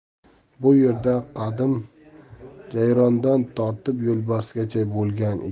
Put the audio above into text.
bu yerda qadim jayrondan tortib yo'lbarsgacha bo'lgan